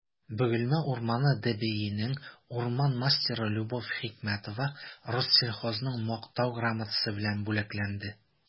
«бөгелмә урманы» дбинең урман мастеры любовь хикмәтова рослесхозның мактау грамотасы белән бүләкләнде